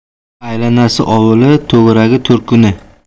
aylanasi ovuli to'garagi to'rkuni